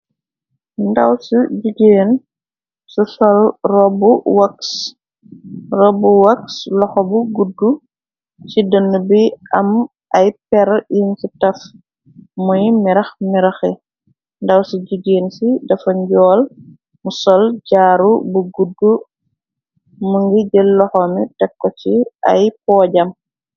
Ndaw ci jigeen su sol rrobbu wox loxo bu gudg ci dën bi am ay per im ci taf. Muy mirax miraxe ndaw ci jigeen ci dafa njool. Mu sol jaaru bu gudg mu ngi jël loxo mi tekko ci ay poojam.